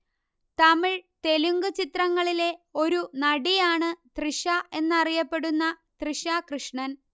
തമിഴ് തെലുങ്ക് ചിത്രങ്ങളിലെ ഒരു നടിയാണ് തൃഷ എന്നറിയപ്പെടുന്ന തൃഷ കൃഷ്ണൻ